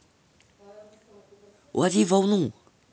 лови волну